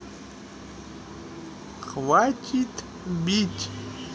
хватит бить